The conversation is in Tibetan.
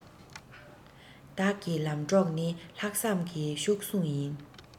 བདག གི ལམ གྲོགས ནི ལྷག བསམ གྱི གཤོག ཟུང ཡིན